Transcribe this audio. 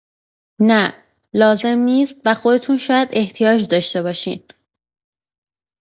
نه، لازم نیست و خودتون شاید احتیاج داشته باشین.